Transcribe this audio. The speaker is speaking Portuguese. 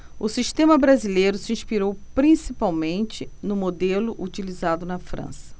o sistema brasileiro se inspirou principalmente no modelo utilizado na frança